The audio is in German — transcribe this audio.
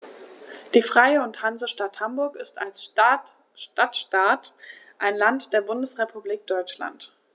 Die Freie und Hansestadt Hamburg ist als Stadtstaat ein Land der Bundesrepublik Deutschland.